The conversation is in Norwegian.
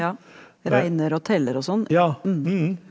ja regner og teller og sånn .